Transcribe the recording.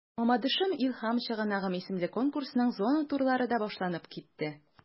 “мамадышым–илһам чыганагым” исемле конкурсның зона турлары да башланып китте.